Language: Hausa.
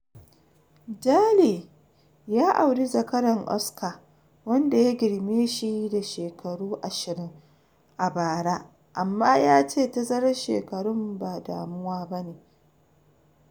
Daley ya auri zakaran Oscar, wanda ya girme shi da shekaru 20, a bara amma ya ce tazarar shekarun ba damuwa bane.